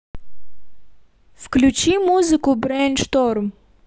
включи музыку брейншторм